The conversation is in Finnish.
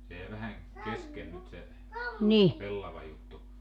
se jäi vähän kesken nyt se pellavajuttu